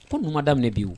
Ko ninnu ma daminɛ bi o